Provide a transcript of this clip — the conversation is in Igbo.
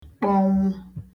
kpọnwụ